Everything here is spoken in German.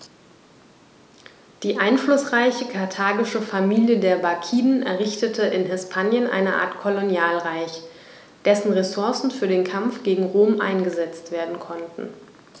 Die einflussreiche karthagische Familie der Barkiden errichtete in Hispanien eine Art Kolonialreich, dessen Ressourcen für den Kampf gegen Rom eingesetzt werden konnten.